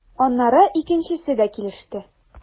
Аннары икенчесе дә килеште.